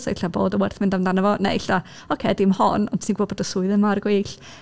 So ella bod o werth mynd amdano fo. Neu ella, ocê dim hon ond ti'n gwbod bod y swydd yma ar y gweill.